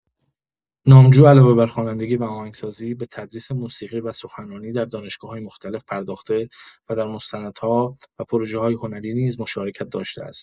نامجو علاوه بر خوانندگی و آهنگسازی، به تدریس موسیقی و سخنرانی در دانشگاه‌‌های مختلف پرداخته و در مستندها و پروژه‌های هنری نیز مشارکت داشته است.